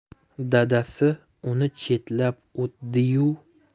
dadasi uni chetlab o'tdi yu